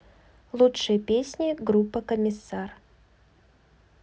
лучшие песни группа комиссар